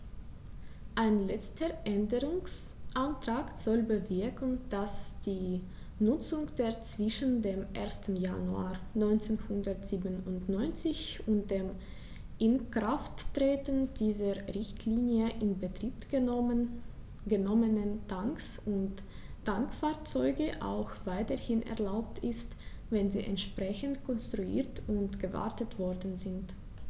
Ein letzter Änderungsantrag soll bewirken, dass die Nutzung der zwischen dem 1. Januar 1997 und dem Inkrafttreten dieser Richtlinie in Betrieb genommenen Tanks und Tankfahrzeuge auch weiterhin erlaubt ist, wenn sie entsprechend konstruiert und gewartet worden sind.